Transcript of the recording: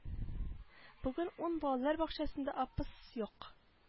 Бүген ун балалар бакчасында апс юк